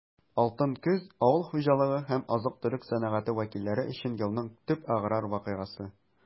«алтын көз» - авыл хуҗалыгы һәм азык-төлек сәнәгате вәкилләре өчен елның төп аграр вакыйгасы.